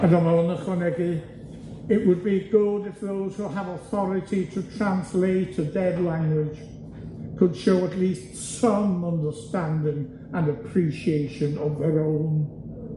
Ac ro'dd o'n ychwanegu, it would be good if those who have authority to translate a dead language could show at least some understanding and appreciation of their own.